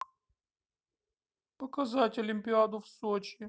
показать олимпиаду в сочи